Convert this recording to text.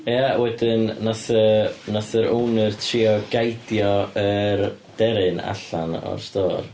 Ia, wedyn wnaeth y, wnaeth y owner trio gaidio yr deryn allan o'r store.